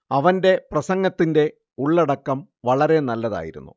അവന്റെ പ്രസംഗത്തിന്റെ ഉള്ളടക്കം വളരെ നല്ലതായിരുന്നു